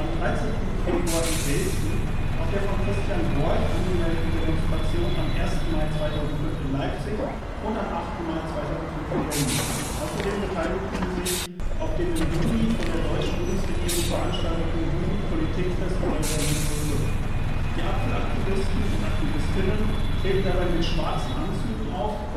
13. Februar in Dresden, auf der von Christian Worch angemeldeten Demonstration am 1. Mai 2005 in Leipzig und am 8. Mai 2005 in Berlin. Außerdem beteiligten sie sich auf dem im Juni von der deutschen Bundesregierung veranstalteten Jugend-Politik-Festival Berlin 05. Die Apfelaktivsten und - aktivistinnen treten dabei mit schwarzen Anzügen auf